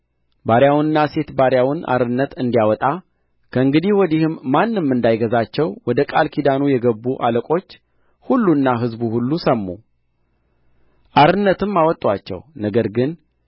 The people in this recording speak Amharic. ባሪያውንና ሴት ባሪያውን አርነት እንዲያወጣ ከእንግዲህ ወዲህም ማንም እንዳይገዛቸው ወደ ቃል ኪዳኑ የገቡ አለቆች ሁሉና ሕዝቡ ሁሉ ሰሙ አርነትም አወጡአቸው ነገር ግን